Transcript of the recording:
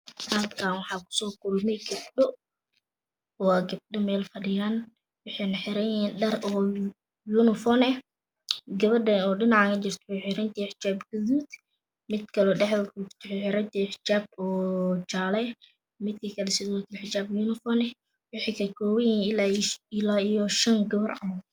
Halkaani waxa ku Soo kulmi gabdho waa gabdho meel fadhiyaan waxayna feran yihiin Dhar oo yunifon eh gabadha dhinaca jirto waxay xiran yahay xijaab gaduud mid kale oo dhexda ku jirto waxay xeran yahay xijaab jaalo eh midka kale sidoo kale xijaab yunifon eh waxay ka kooban yihiin ilaa iyo Shan gabar